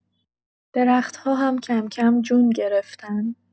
درخت‌ها هم کم‌کم جون گرفتن.